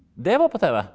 det var på tv.